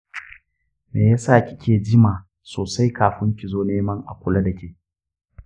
meyesa kika jima sosai kafun kizo neman a kula dake?